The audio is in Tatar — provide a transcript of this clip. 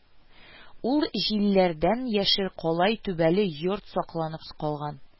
Ул җилләрдән яшел калай түбәле йорт сакланып калган